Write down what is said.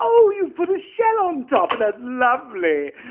Oh, you've put a shell on top, that's lovely.